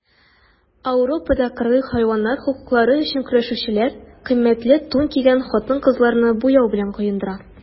Ауропада кыргый хайваннар хокуклары өчен көрәшүчеләр кыйммәтле тун кигән хатын-кызларны буяу белән коендыра.